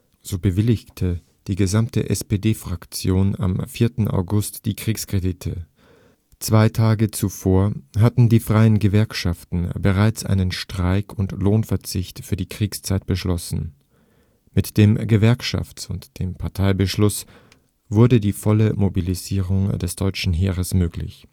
So bewilligte die gesamte SPD-Fraktion am 4. August die Kriegskredite. Zwei Tage zuvor hatten die Freien Gewerkschaften bereits einen Streik - und Lohnverzicht für die Kriegszeit beschlossen. Mit dem Gewerkschafts - und dem Parteibeschluss wurde die volle Mobilisierung des deutschen Heeres möglich